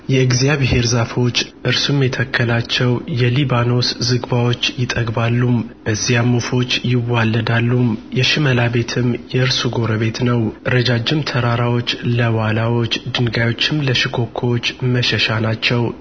የእግዚአብሔር ዛፎች እርሱም የተከላቸው የሊባኖስ ዝግባዎች ይጠግባሉ በዚያም ወፎች ይዋለዳሉ የሽመላ ቤትም የእነርሱ ጎረቤት ነው ረጃጅም ተራራዎች ለዋላዎች ድንጋዮችም ለእሽኮኮች መሸሻ ናቸው